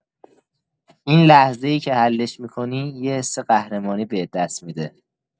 اون لحظه‌ای که حلش می‌کنی، یه حس قهرمانی بهت دست می‌ده!